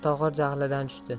tohir jahlidan tushdi